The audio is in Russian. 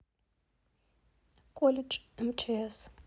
колледж мчс